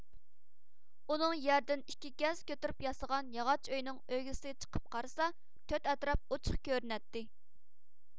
ئۇنىڭ يەردىن ئىككى گەز كۆتۈرۈپ ياسىغان ياغاچ ئۆيىنىڭ ئۆگزىسىگە چىقىپ قارىسا تۆت ئەتراپ ئوچۇق كۆرۈنەتتى